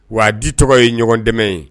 Wa di tɔgɔ ye ɲɔgɔn dɛmɛ ye